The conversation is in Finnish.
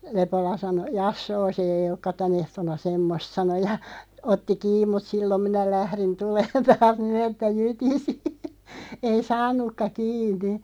Lepola sanoi jassoo se ei olekaan tänä ehtoona semmoista sanoi ja otti kiinni mutta silloin minä lähdin tulemaan taas niin että jytisi ei saanutkaan kiinni